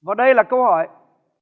và đây là câu hỏi